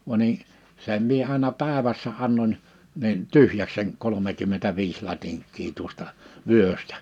vaan niin sen minä aina päivässä annoin niin tyhjäksi sen kolmekymmentäviisi latinkia tuosta vyöstä